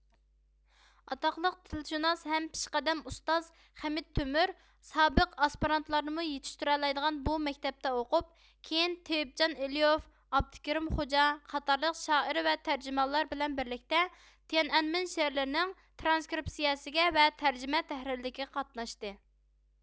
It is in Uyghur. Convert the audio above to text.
ئاتاقلىق تىلشۇناس ھەم پېشقەدەم ئۇستاز خەمىت تۆمۈر سابىق ئاسپىرانتلارنىمۇ يېتىشتۈرەلەيدىغان بۇ مەكتەپتە ئوقۇپ كىيىن تېيىپچان ئېلىيۇف ئابدۇكېرىم خوجا قاتارلىق شائىر ۋە تەرجىمانلار بىلەن بىرلىكتە تيەنئەنمىن شېئىرلىرى نىڭ ترانسكرېپسىيەسىگە ۋە تەرجىمە تەھرىرلىكىگە قاتناشتى